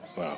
waaw